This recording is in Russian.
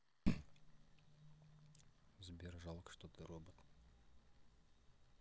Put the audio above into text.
сбер жалко что ты робот